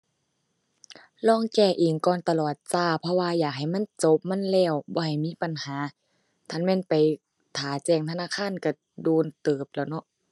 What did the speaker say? ลองแก้เองก่อนตลอดจ้า เพราะว่าอยากให้มันจบ มันแล้ว บ่ให้มีปัญหา ถ้าคันแม่นไปท่าแจ้งธนาคารก็โดนเติบแหล้วเนาะ